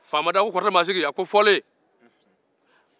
faama daa ko fɔlen kɔrɔtɛmaasigi